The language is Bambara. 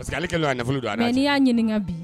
Parce que ale dona nafolo don y'a ɲini ɲininka